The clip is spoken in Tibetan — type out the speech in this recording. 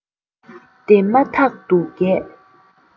དེ མ ཐག ཏུ རྒྱས